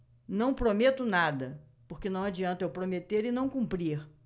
não prometo nada porque não adianta eu prometer e não cumprir